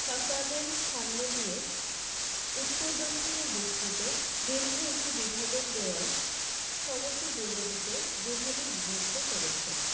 ফাসাদের সামনে দিয়ে উত্তর দক্ষিণে বিস্তৃত দীর্ঘ একটি বিভাজন দেওয়াল সমস্ত দুর্গটিকে দুভাগে বিভক্ত করেছে